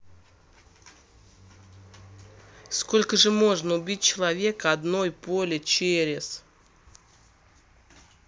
сколько же можно убить человека одной поле через